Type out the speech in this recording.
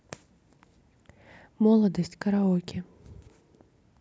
молодость караоке